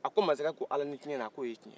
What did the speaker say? a ko masakɛ ko alanicɛn na a k'o ye cɛn ye